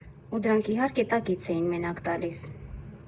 Ու դրանք, իհարկե, տակից էին մենակ տալիս։